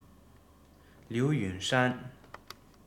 ལིའུ ཡུན ཧྲན